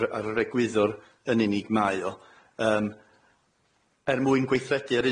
ar yr egwyddor yn unig mae o yym er mwyn gweithredu ar